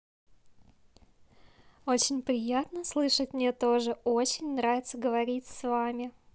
очень приятно слышать мне тоже очень нравится говорить с вами